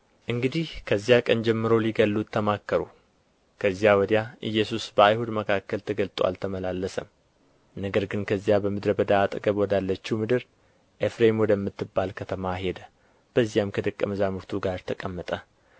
እንግዲህ ከዚያ ቀን ጀምረው ሊገድሉት ተማከሩ ከዚያ ወዲያም ኢየሱስ በአይሁድ መካከል ተገልጦ አልተመላለሰም ነገር ግን ከዚያ በምድረ በዳ አጠገብ ወዳለች ምድር ኤፍሬም ወደምትባል ከተማ ሄደ በዚያም ከደቀ መዛሙርቱ ጋር ተቀመጠ